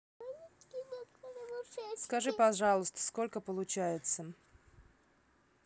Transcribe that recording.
скажи пожалуйста сколько получается